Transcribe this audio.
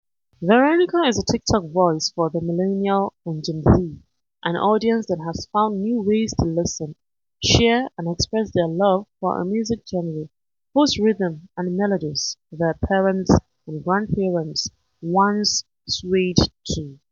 Veronica is the TikTok voice for the millennial and Gen Z — an audience that has found new ways to listen, share and express their love for a music genre whose rhythm and melodies their parents & grandparents once swayed to.